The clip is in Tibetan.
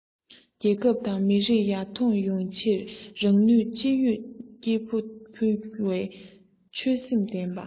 རྒྱལ ཁབ དང མི རིགས ཡར ཐོན ཡོང ཕྱིར རང ནུས ཅི ཡོད སྐྱེས སུ འབུལ བའི ཆོད སེམས བརྟན པ